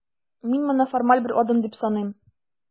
Мин моны формаль бер адым дип саныйм.